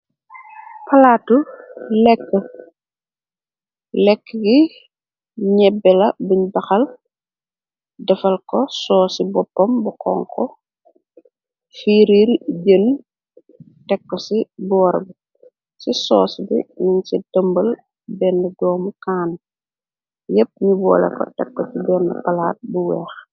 Palaatu lekk, lekk gi ñyebbe la buñ baxal defal ko sooci boppam bu xonxo. Fiiriir jën tekko ci boor bi, ci soos bi, nyungsi tëmbal benn doom mi kaane yépp ñi boole ko tekko ci benn palaat bu weex.